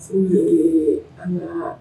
Sini an na